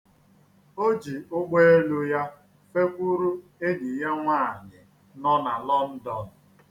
O ji ụgbọelu ya fekwuru enyi ya nwaanyị nọ na London.